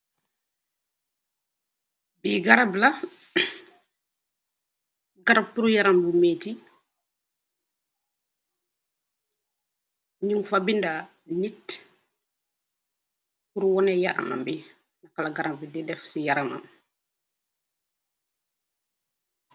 Bi gaarap la puur yaram buiyi mehti, nugfa bena neet purr wanee yaramambi ak garap bi lomuy def se yaramambi.